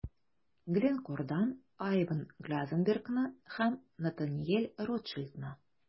Glencore'дан Айван Глазенбергны һәм Натаниэль Ротшильдны.